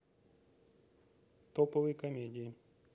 топовые комедии